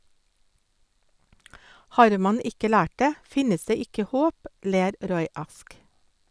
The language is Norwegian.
Har man ikke lært det, finnes det ikke håp, ler Roy Ask.